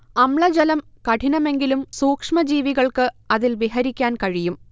അമ്ലജലം കഠിനമെങ്കിലും സൂക്ഷ്മ ജീവികൾക്ക് അതിൽ വിഹരിക്കാൻ കഴിയും